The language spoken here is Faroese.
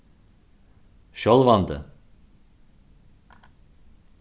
sjálvandi